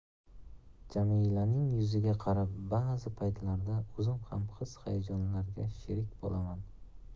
jamilaning yuziga qarab ba'zi paytlarda o'zim ham his hayajonlariga sherik bo'laman